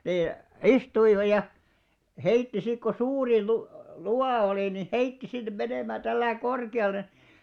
niin istuivat ja heitti sitten kun suuri - luuva oli niin heitti sinne menemään tällä lailla korkealle